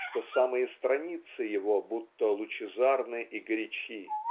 что самые страницы его будто лучезарны и горячи.